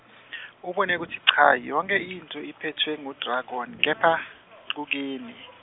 ubone kutsi cha yonkhe intfo iphetfwe ngu-dragon kepha , kukini.